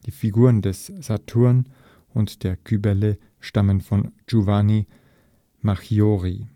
Figuren des Saturn und der Kybele stammen von Giovanni Marchiori